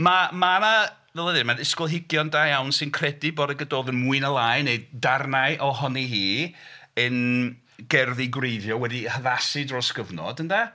Ma' ma' 'na... ddylwn i ddeud ma' 'na ysgolheigion da iawn sy'n credu bod y Gododdin mwy neu lai neu darnau ohoni hi yn gerddi gwreiddiol wedi'u haddasu dros gyfnod ynde.